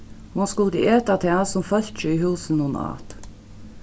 hon skuldi eta tað sum fólkið í húsinum át